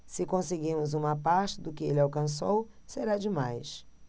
se conseguirmos uma parte do que ele alcançou será demais